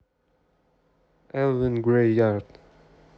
elvin grey yard